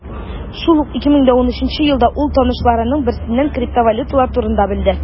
Шул ук 2013 елда ул танышларының берсеннән криптовалюталар турында белде.